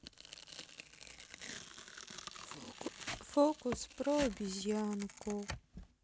фокус про обезьянку